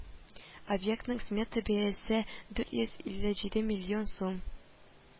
Объектның смета бәясе дүрт йөз илле җиде миллион сум